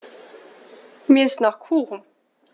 Mir ist nach Kuchen.